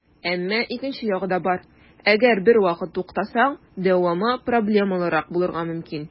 Әмма икенче ягы да бар - әгәр бервакыт туктасаң, дәвамы проблемалырак булырга мөмкин.